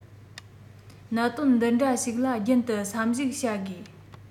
གནད དོན འདི འདྲ ཞིག ལ རྒྱུན དུ བསམ གཞིགས བྱ དགོས